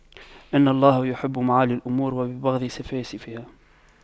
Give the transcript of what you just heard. إن الله يحب معالي الأمور ويبغض سفاسفها